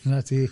Dyna ti.